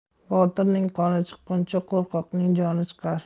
botirning qoni chiqquncha qo'rqoqning joni chiqar